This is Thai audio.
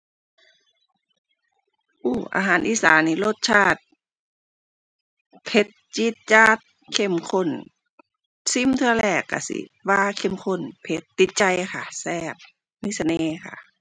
อู้ อาหารอีสานนี่รสชาติเผ็ดจี๊ดจ๊าด เข้มข้น ชิมเทื่อแรกชิมสิว่าเข้มข้น เผ็ด ติดใจค่ะ แซ่บ มีเสน่ห์ค่ะ